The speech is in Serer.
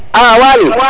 a Waly